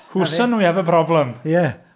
Hooson, we have a problem! ... Ie!